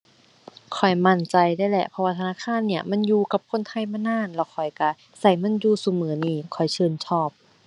ข้อยมั่นใจเลยแหละ เพราะว่าธนาคารเนี้ยมันอยู่กับคนไทยมานาน แล้วข้อยก็ก็มันอยู่ซุมื้อนี้ ข้อยชื่นชอบ